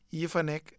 yu fa nekk